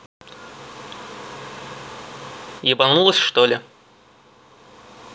ебанулась чтоли